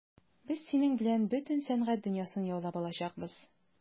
Без синең белән бөтен сәнгать дөньясын яулап алачакбыз.